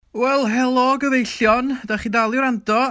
Wel, helo gyfeillion. Dach chi dal i wrando?